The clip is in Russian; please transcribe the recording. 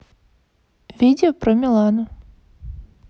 видео про милану